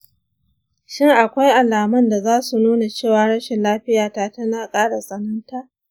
shin akwai alamun da zasu nuna cewa rashin lafiyata tana kara tsananta?